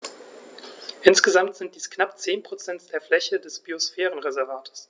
Insgesamt sind dies knapp 10 % der Fläche des Biosphärenreservates.